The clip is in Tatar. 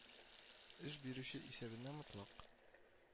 Эш бирүче исәбенә мотлак